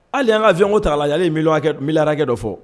Hali y an ka f fiɲɛko t' la yali mikɛ dɔ fɔ